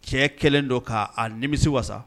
Cɛ kelen don k'a ni misi wasa